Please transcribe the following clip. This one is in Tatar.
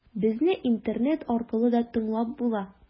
Безне интернет аркылы да тыңлап була.